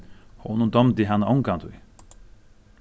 honum dámdi hana ongantíð